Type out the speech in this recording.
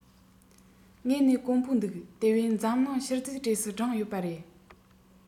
དངོས གནས དཀོན པོ འདུག དེ བས འཛམ གླིང ཤུལ རྫས གྲས སུ བསྒྲེངས ཡོད པ རེད